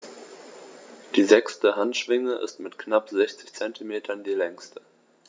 Die sechste Handschwinge ist mit knapp 60 cm die längste.